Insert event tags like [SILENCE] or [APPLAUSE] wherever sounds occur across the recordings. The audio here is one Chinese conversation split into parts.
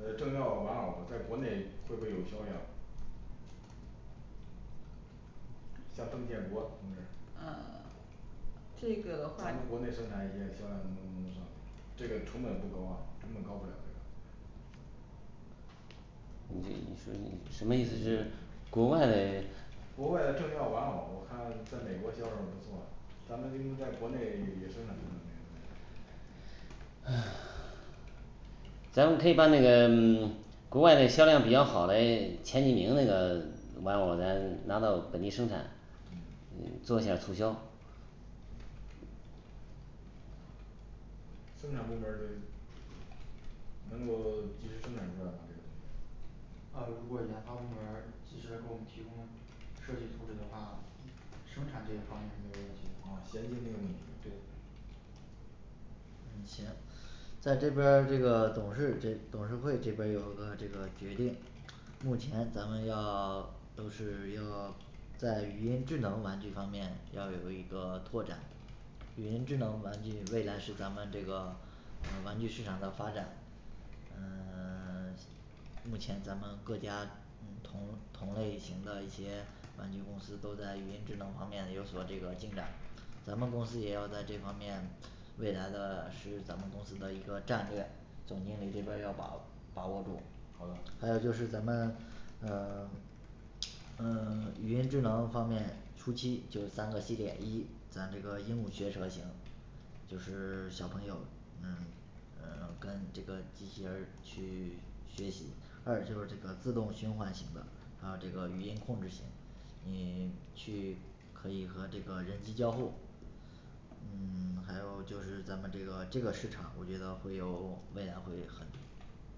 呃政要玩偶儿，在国内会不会有销量像邓建国同志呃这个的话咱们国内生产一些销量能不能上去这个成本不高啊，成本高不了这个什么什么意思是国外嘞国外的政要玩偶，我看在美国销售不错咱们应该在国内也生产出这个东西啊 [SILENCE] 咱们可以把那个嗯 [SILENCE] 国外嘞销量比较好嘞前几名那个玩偶，咱拿到本地生产嗯呃做一下儿促销生产部门儿这能够及时生产出来吗这个东西呃如果研发部门儿及时的给我们提供设计图纸的话生产这一方面儿没有啊问题的衔接没有问题对行在这边儿这个董事这董事会这边儿有个这个决定目前咱们要 [SILENCE] 都是要 [SILENCE] 在语音智能玩具方面要有一个拓展语音智能玩具未来是咱们这个玩具市场的发展呃 [SILENCE] 目前咱们各家同同类型的一些玩具公司都在语音智能方面有所这个进展咱们公司也要在这方面未来的是咱们公司的一个战略总经理这边儿要把把握住好的还有就是咱们嗯 [SILENCE] 呃 [SILENCE] 语音智能方面初期就是三个系列，一咱这个鹦鹉学舌型就是 [SILENCE] 小朋友们呃跟这个机器人儿去 [SILENCE] 学习，二就是这个自动循环型的还有这个语音控制型你 [SILENCE] 去可以和这个人机交互嗯 [SILENCE] 还有就是咱们这个这个市场我觉得会有 [SILENCE] 未来会很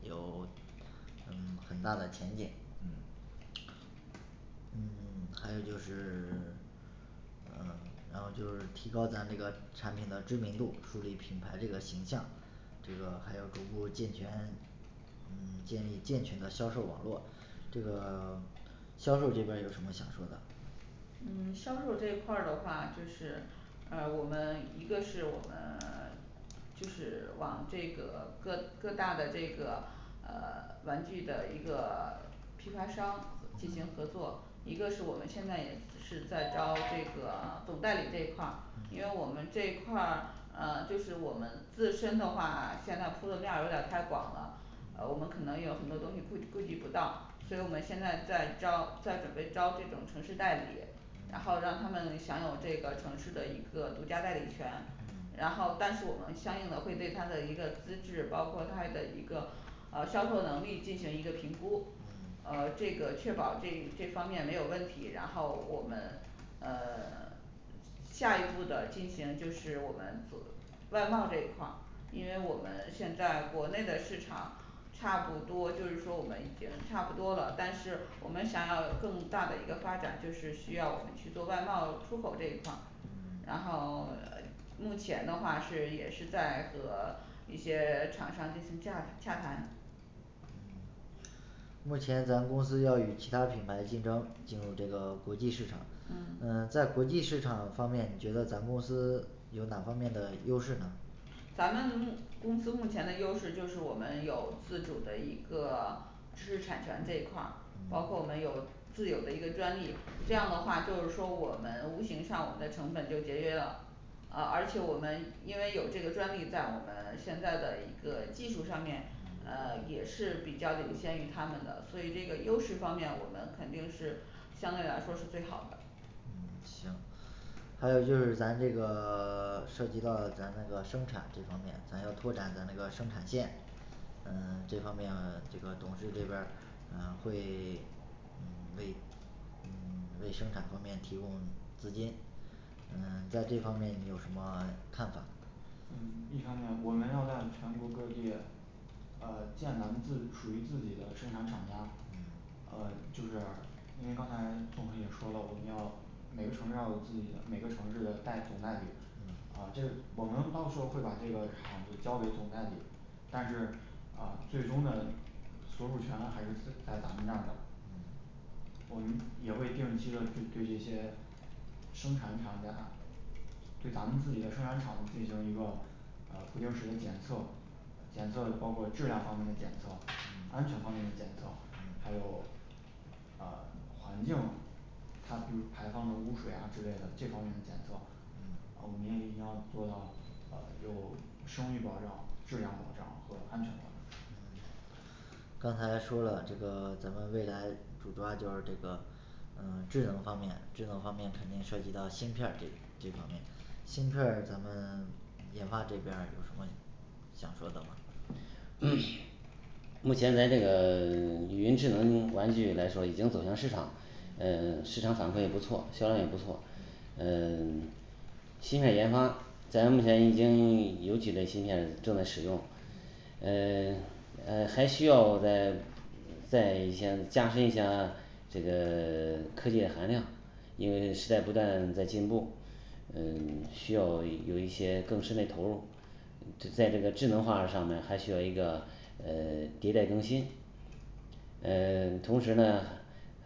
有嗯很大的前景嗯嗯 [SILENCE] 还有就是嗯然后就是提高咱这个产品的知名度，树立品牌这个形象这个还要逐步健全嗯健健全的销售网络这个销售这边儿有什么想说的嗯销售这一块儿的话，就是呃我们一个是我们就是往这个各各大的这个呃 [SILENCE] 玩具的一个批发商进行合作，一个是我们现在也是在招这个总代理这一块儿因为我们这一块儿呃就是我们自身的话现量出的价儿有点儿太广了呃我们可能有很多东西会规避不到，所以我们现在在招在准备招这种城市代理然后让他们享有这个城市的一个独家代理权然后但是我们相应的会对它的一个资质，包括它的一个呃销售能力进行一个评估&嗯&呃这个确保这这方面没有问题然后我们呃 [SILENCE] 下一步的进行就是我们做外贸这一块儿因为我们现在国内的市场差不多就是说我们已经差不多了，但是我们想要更大的一个发展，就是需要去做外贸出口这一块儿嗯然后呃目前的话是也是在和一些厂商进行洽洽谈目前咱们公司要与其他品牌竞争进入这个国际市场嗯呃在国际市场方面觉得咱公司有哪方面的优势呢咱们公司目前的优势就是我们有自主的一个知识产权这一块儿包括嗯我们有自有的一个专利，这样的话就是说我们无形上我们的成本就节约了呃而且我们因为有这个专利在我们现在的一个技术上面呃也是比较领先于他们的，所以这个优势方面我们肯定是相对来说是最好的嗯行还有就是咱这个 [SILENCE] 涉及到了咱那个生产这方面，咱要拓展的咱那个生产线呃这方面啊这个董事这边儿呃会嗯为嗯为生产方面提供资金嗯在这方面你有什么看法嗯一方面我们要在全国各地呃建咱们自属于自己的生产厂家嗯呃就是因为刚才董事长也说了，我们要每个城市要有自己的每个城市的代总代理呃这个我们到时候会把这个厂子交给总代理但是呃最终的所属权还是自 [UNINTELLIGIBLE] 在咱们这儿的嗯我们也会定期的对对这些生产厂家对咱们自己的生产厂子进行一个呃不定时的检测呃检测，包括质量方面的检测，安全嗯方面的检测嗯，还有呃环境他比如排放的污水啊之类的这方面的检测，嗯呃我们也一定要做到呃有生育保障、质量保障和安全保障刚才说了这个咱们未来主抓就是这个呃智能方面智能方面肯定涉及到芯片儿这这方面芯片儿咱们 [SILENCE] 研发这边儿有什么想说的吗目前咱这个 [SILENCE] 云智能玩具来说已经走向市场嗯嗯 [SILENCE] 市场反馈也不错，销量也不错嗯嗯 [SILENCE] 芯片研发，咱目前已经 [SILENCE] 有几类芯片正在使用嗯 [SILENCE] 嗯还需要再在已经加深一下这个 [SILENCE] 科技含量因为时代不断在进步嗯需要有一些更深嘞投入就在这个智能化上面还需要一个呃迭代更新呃 [SILENCE] 同时呢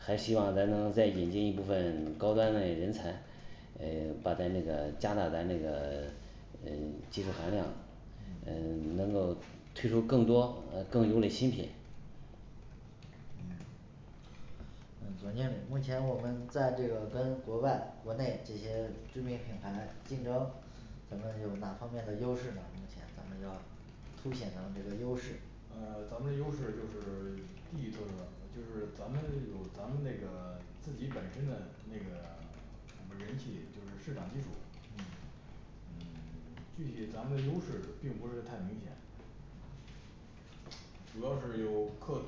还希望咱能再引进一部分高端嘞人才呃 [SILENCE] 把咱这个加大咱这个 [SILENCE] 呃技术含量呃嗯 [SILENCE] 能够推出更多呃更优的新品嗯呃总经目前我们在这个跟国外国内这些知名品牌竞争咱们有哪方面的优势呢目前咱们要凸显咱们这个优势呃咱们的优势就是 [SILENCE] 地多就是咱们有咱们那个自己本身的那个 [SILENCE] 我们人气就是市场基础嗯嗯 [SILENCE] 具体咱们的优势并不是太明显主要是有客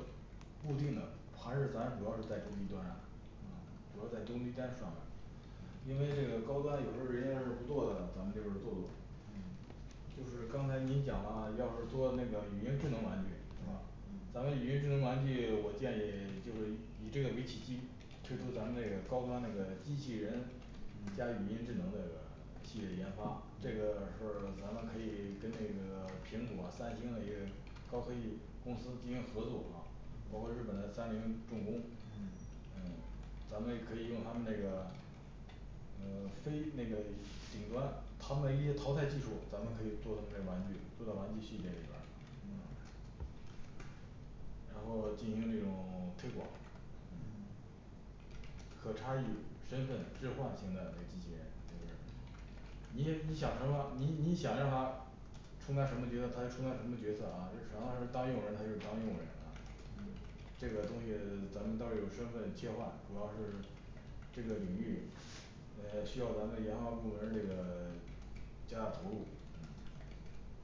固定的，还是咱主要是在中低端主要在中低端咱们因为这个高端有时候儿人家是不做的，咱们就是做做嗯就是刚才您讲了要是做那个语音智能玩具是吧嗯咱们语音智能玩具，我建议就是以这个为契机推出咱们那个高端那个机器人嗯加语音智能那个 [SILENCE] 系列研发，这个是咱们可以跟那个 [SILENCE] 苹果三星的一个高科技公司进行合作啊包括日本的三菱重工嗯嗯咱们可以用他们那个呃飞那个顶端他们的一些淘汰技术，咱们可以做他们的玩具做到玩具系列里边儿嗯然后进行这种 [SILENCE] 推广嗯可差异身份置换型的这个机器人就是你你想什么你你想让他充当什么角色，他就充当什么角色啊，就是想让他当佣人他就是当佣人啊这个东西 [SILENCE] 咱们倒是有身份切换，主要是这个领域呃需要咱们研发部门儿这个 [SILENCE] 加大投入嗯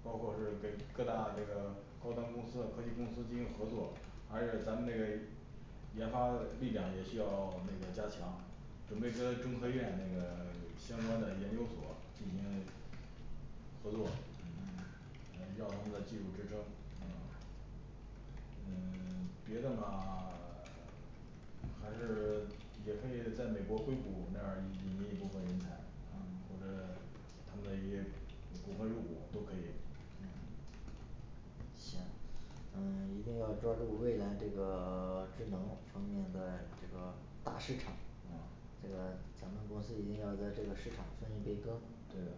包括是给各大这个高端公司啊科技公司进行合作而且咱们这个研发力量也需要那个加强准备跟中科院那个 [SILENCE] 相关的研究所进行合作嗯嗯呃要他们的技术支撑嗯嗯 [SILENCE] 别的嘛 [SILENCE] 还是 [SILENCE] 也可以在美国硅谷那儿引进一部分人才嗯嗯，或者他们的一些呃股份入股都可以嗯行嗯 [SILENCE] 一定要抓住未来这个 [SILENCE] 智能方面的这个大市场嗯那个咱们公司一定要在这个市场分一杯羹对的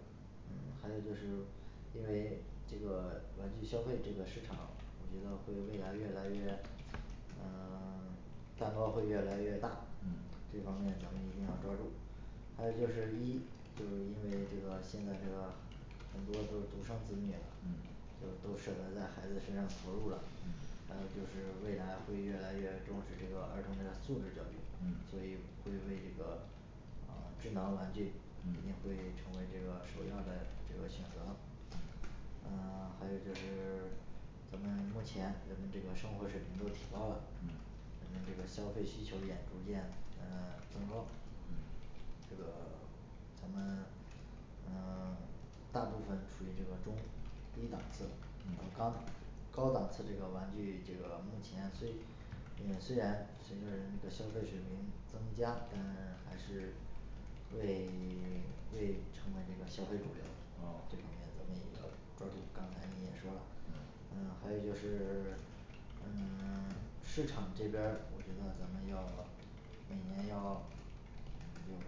嗯还有就是因为这个玩具消费这个市场，我觉得会未来越来越嗯 [SILENCE] 蛋糕会越来越大嗯，这方面咱们一定要抓住还有就是一就是因为这个现在这个很多都是独生子女嗯都都舍得在孩子身上投入了嗯还有就是未来会越来越重视这个儿童的素质教育嗯，所以会为这个呃智囊玩具肯定嗯会成为这个首要的这个选择嗯 [SILENCE] 还有就是 [SILENCE] 咱们目前人们这个生活水平都提高了嗯咱们这个消费需求也逐渐呃增高嗯这个 [SILENCE] 咱们呃 [SILENCE] 大部分处于这个中低档次到嗯高高档就这个玩具这个目前虽嗯虽然随着那个消费水平增加但还是 [SILENCE] 会 [SILENCE] 这成为这个消费主流儿哦这方面我们也要抓住刚刚才你也说啦嗯嗯还有就是 [SILENCE] 呃 [SILENCE] 市场这边儿，我觉得咱们要每年要嗯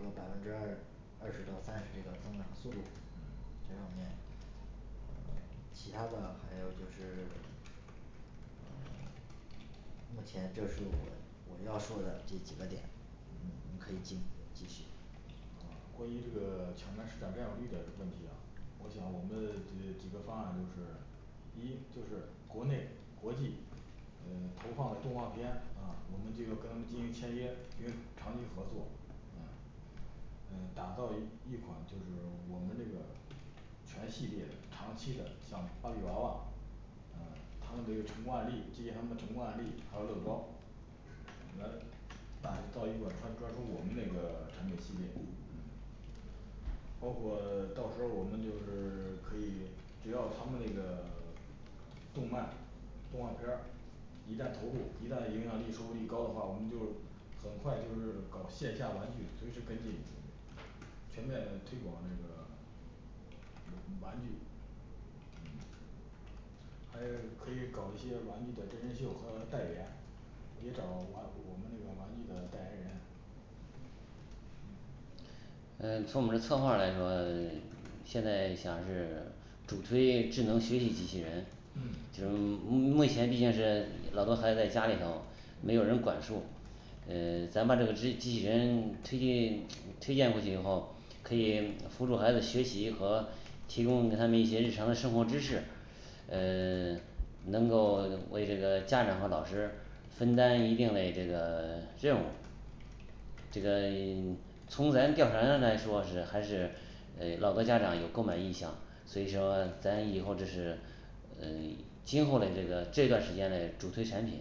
有个百分之二二十到三十这个增长速度嗯这方面嗯其他的呢还有就是 [SILENCE] 目前这是我我要说的这几个点嗯你可以继继续呃关于这个抢占市场占有率的问题啊我想我们这几个方案就是一就是国内国际呃投放的动画片啊，我们这个跟他们进行签约，因为长期合作嗯呃打造一一款就是我们这个全系列长期的像芭比娃娃呃他们的一个成功案例借鉴他们的成功案例，还有乐高来打造一个他专属我们那个产品系列嗯包括到时候儿我们就是 [SILENCE] 可以只要他们那个 [SILENCE] 动漫动画片儿一旦投入一旦影响力收视率高的话，我们就很快就是搞线下玩具随时跟进就是全面推广那个 [SILENCE] 玩玩具嗯还 [SILENCE] 可以搞一些玩具的真人秀和代言也找玩我们那个玩具的代言人呃从我们的策划来说 [SILENCE] 现在想是主推智能学习机器人嗯，[CROSSTALK] 就是嗯目前毕竟这老婆孩子在家里头没有人管束呃 [SILENCE] 咱把这个机器人推进推荐过去以后，可以辅助孩子学习和提供给他们一些日常的生活知识呃 [SILENCE] 能够为这个家长和老师分担一定嘞这个 [SILENCE] 任务这个 [SILENCE] 从咱调查员来说是还是呃老多家长有购买意向所以说咱以后就是呃今后嘞这个这段时间嘞主推产品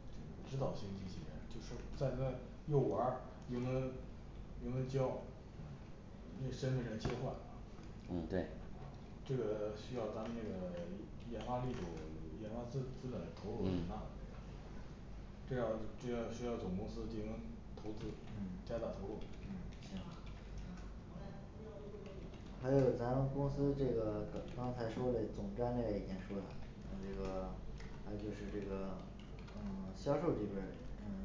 就是指导型机器人就是在那又玩儿又能又能教嗯呃那身份能切换啊嗯对这个需要咱们那个一 [UNINTELLIGIBLE] 研发力度，研发资资本投入很大的这个这样这样需要总公司进行投资，嗯加大投入还有咱们公司这个总刚才说的总战略已经说了那这个那就是这个 [SILENCE] 嗯 [SILENCE] 销售这边儿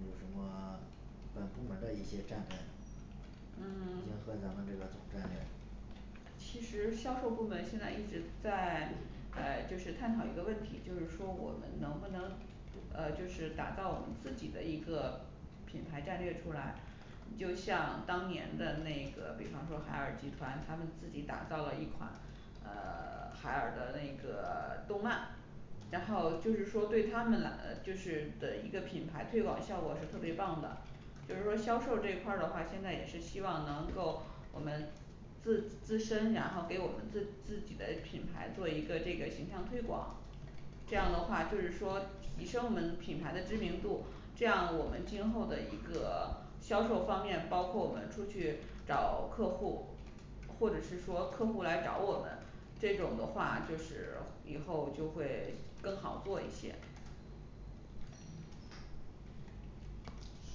有什么本部门儿的一些战略呃 [SILENCE] 结合咱们这个总战略其实销售部门现在一直在哎就是探讨一个问题就是说我们能不能呃就是打造我们自己的一个 [SILENCE] 品牌战略出来就像当年的那个比方说海尔集团，他们自己打造了一款呃 [SILENCE] 海尔的那个 [SILENCE] 动漫然后就是说对他们来呃就是的一个品牌推广效果是特别棒的比如说销售这一块儿的话，现在也是希望能够我们自自身，然后给我们自自己的品牌做一个这个形象推广这样的话就是说提升我们品牌的知名度这样的我们今后的一个销售方面包括我们出去找客户或者是说客户来找我们这种的话就是以后就会更好做一些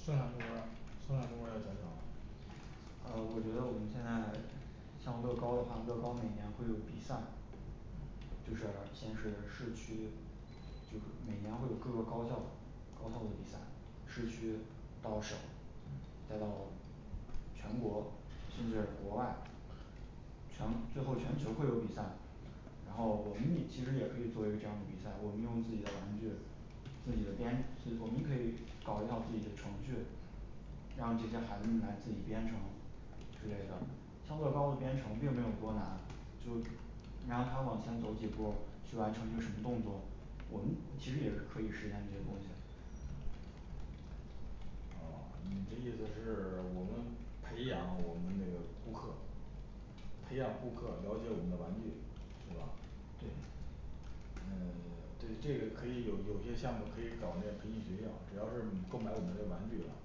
生产部门儿生产部门儿要讲讲吗呃我觉得我们现在像乐高的话，乐高每年会有比赛嗯就是先是市区就是每年会有各个高校高校的比赛，市区到省嗯，再到全国甚至国外全最后全球会有比赛然后我们也其实也可以做一个这样的比赛，我们用自己的玩具自己的编字 [UNINTELLIGIBLE] 我们可以搞一套自己的程序让这些孩子们来自己编程之类的像乐高的编程并没有多难就你让他往前走几步儿，去完成一个什么动作，我们其实也可以实现这些东西嗯呃你的意思是 [SILENCE] 我们培养我们这个顾客培养顾客，了解我们的玩具是吧对呃 [SILENCE] 对这个可以有有些项目可以搞那个培训学校只要是购买我们这个玩具啊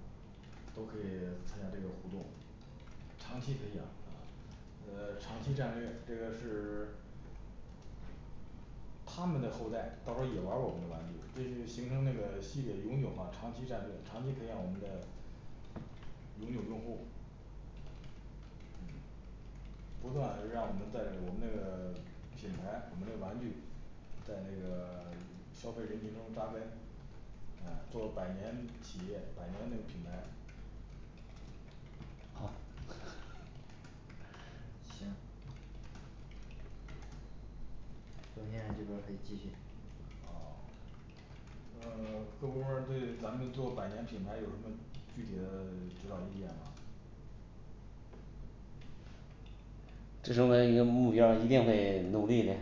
都可以参加这个互动长期培养对吧呃长期战略这个是 [SILENCE] 他们的后代到时候也玩儿我们的玩具，这是形成这个系列永久化长期战略，长期培养我们的永久用户嗯不断让我们在这个我们那个 [SILENCE] 品牌我们这个玩具在这个 [SILENCE] 消费人群中扎根诶做百年企业百年那个品牌好行总监这边儿可以继续哦那个 [SILENCE] 各部门儿对咱们做百年品牌有什么具体的指导意见吗这是我们一个目标儿，一定会努力的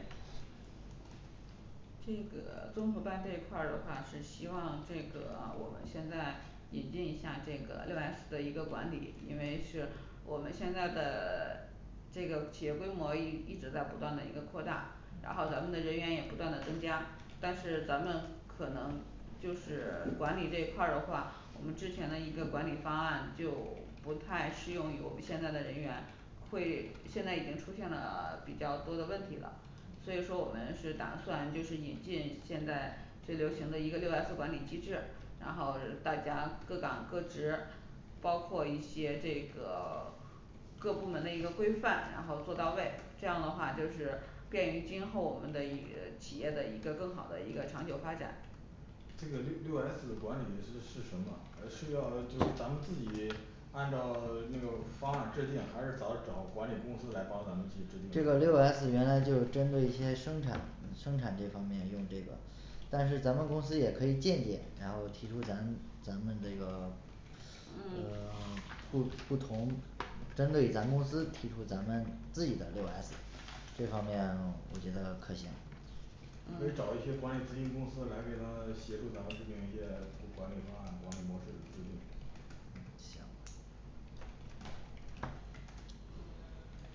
这个 [SILENCE] 综合办这一块儿的话，是希望这个 [SILENCE] 我们现在引进一下这个六S的一个管理，因为是我们现在的 [SILENCE] 这个企业规模一一直在不断的一个扩大嗯然后咱们的人员也不断的增加但是咱们可能就是管理这一块儿的话，我们之前的一个管理方案就不太适用于我们现在的人员会现在已经出现了 [SILENCE] 比较多的问题了所以说我们是打算就是引进现在这就形成一个六S管理机制，然后大家各岗各职包括一些这个 [SILENCE] 各部门的一个规范，然后做到位，这样的话就是便于今后我们的一企业的一个更好的一个长久发展这个六六S管理是是什么呃是要就是咱们自己按照那个方案制定还是找找管理公司来帮咱们去制定这个六S原来就是针对一些生产生产这方面用这个但是咱们公司也可以渐渐，然后提出咱们咱们这个 [SILENCE] 呃嗯 [SILENCE] 不不同针对咱公司提出咱们自己的六S 这方面我觉得可行可以找一些管理咨询公司来给咱协助咱们制定一些管理方案，管理模式的制定行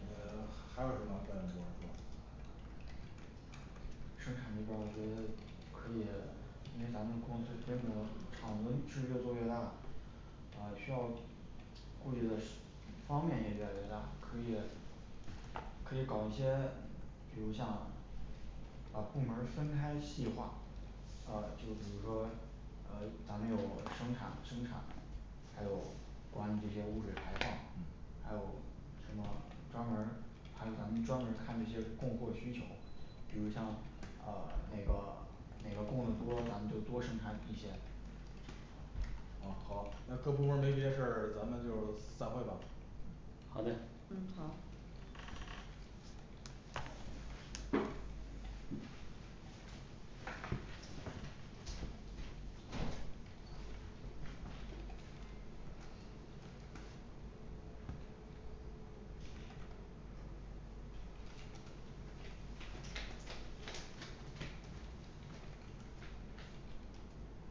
呃还有什么抓紧说说生产这边儿我觉得可以因为咱们的公司规模场子是越做越大呃需要顾忌的十方面也越来越大可以可以搞一些比如像把部门儿分开细化呃就比如说呃咱们有生产生产还有管理这些污水排放嗯，还有什么专门儿还有咱们专门儿看这些供货需求比如像呃那个哪个供的多，咱们就多生产一些呃呃好诶各部门儿没别的事儿，咱们就儿散会吧好的嗯好